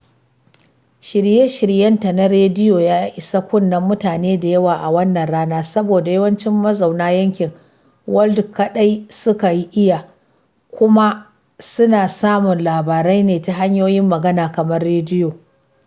Shirye-shiryenta na rediyo ya isa kunnen mutane da yawa a wannan rana, saboda yawancin mazauna yankin Wolof kaɗai suka iya, kuma suna samun labarai ne ta hanyoyin magana kamar rediyo.